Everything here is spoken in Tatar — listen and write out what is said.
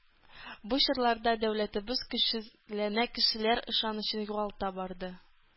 Бу чорларда дәүләтебез көчсезләнә, кешеләр ышанычын югалта барды.